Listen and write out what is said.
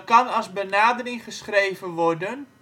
als benadering geschreven worden